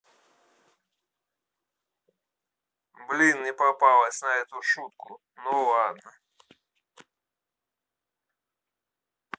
блин не попалась на эту шутку но ладно